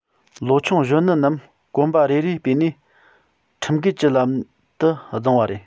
ལོ ཆུང གཞོན ནུ རྣམས གོམ པ རེ རེ སྤོས ནས ཁྲིམས འགལ གྱི ལམ དུ བརྫངས པ རེད